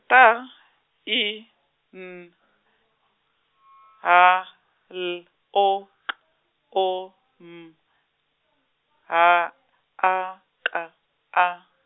T I N , H L O K O M, H A K A.